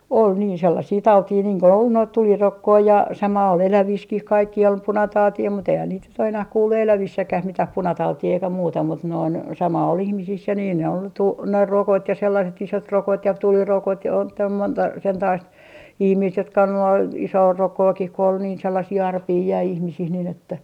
oli niin sellaisia tauteja niin kun oli noita tulirokkoja ja sama oli elävissäkin kaikkia oli punatautia mutta eihän niitä nyt ole enää kuullut elävissäkään mitään punatautia eikä muuta mutta noin sama oli ihmisissä ja niin ne oli - ne rokot ja sellaiset isotrokot ja tulirokot ja on täällä monta sentapaista ihmistä jotka on ollut - isoarokkoakin kun oli niin sellaisia arpia jäi ihmisiin niin että